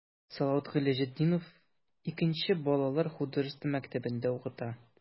Салават Гыйләҗетдинов 2 нче балалар художество мәктәбендә укыта.